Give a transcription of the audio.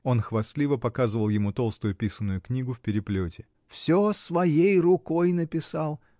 Он хвастливо показывал ему толстую писанную книгу, в переплете. — Всё своей рукой написал!